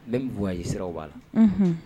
N bɛ bɛug a ii siraw b'a la